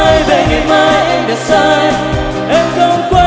sai